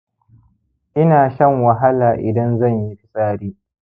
ina shan wahala idan zanyi fitsari